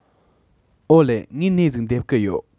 ཨོ ལེ ངས ནས ཟིག འདེབས གི ཡོད